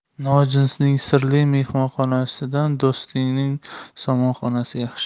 nojinsning sirli mehmonxonasidan do'stingning somonxonasi yaxshi